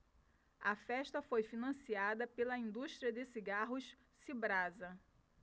a festa foi financiada pela indústria de cigarros cibrasa